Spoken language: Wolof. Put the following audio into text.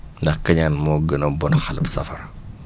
ndax keñaan moo gën a bon xalub safara